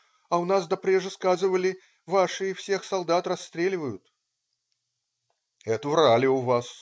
а у нас допреже сказывали, ваши всех солдат расстреливают". - "Это врали у вас".